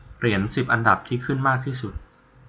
เหรียญสิบอันดับที่ขึ้นมากที่สุด